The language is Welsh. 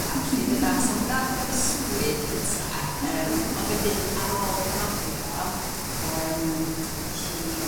a felly dyna so hwnna hwnna o'dd y swydd cynta yym ond wedyn ar ôl graddio yym nesh i